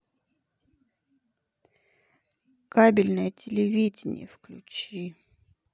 кабельное телевидение включи